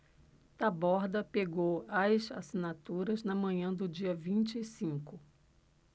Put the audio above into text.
taborda pegou as assinaturas na manhã do dia vinte e cinco